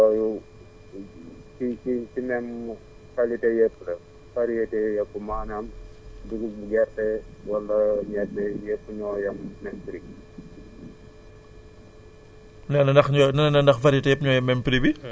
waaw léegi kon yooyu ci ci ci meme qualité yépp la variété yépp maanaam dugub gerte wala ñebe yépp ñoo yam même prix